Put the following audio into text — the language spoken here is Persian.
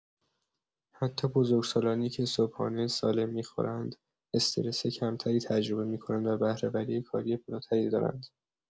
حتی بزرگسالانی که صبحانه سالم می‌خورند، استرس کم‌تری تجربه می‌کنند و بهره‌وری کاری بالاتری دارند.